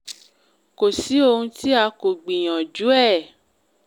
Kò sí ohun tí a kò gbìyànjú ẹ̀.